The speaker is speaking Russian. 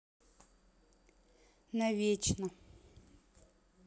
навечно